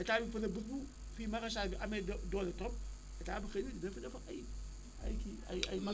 état bi peut être bés bu fii maraîchage bi amee doole trop état bi xëy na dina fi defar ay ay kii ay ay